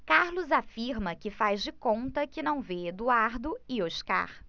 carlos afirma que faz de conta que não vê eduardo e oscar